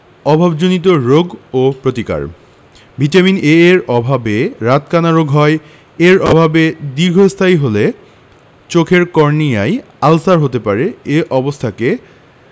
অভাবজনিত রোগ ও প্রতিকার ভিটামিন A এর অভাবে রাতকানা রোগ হয় এর অভাব দীর্ঘস্থায়ী হলে চোখের কর্নিয়ায় আলসার হতে পারে এ অবস্থাকে